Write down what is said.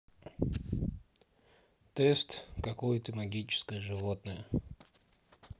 тест какое ты магическое животное